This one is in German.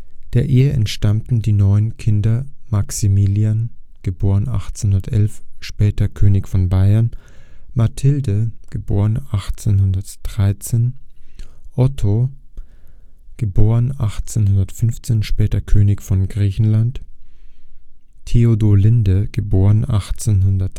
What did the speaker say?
Der Ehe entstammen die neun Kinder Maximilian (* 1811, später König von Bayern), Mathilde (* 1813), Otto (* 1815, später König von Griechenland), Theodolinde (* 1816